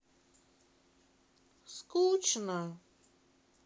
скучно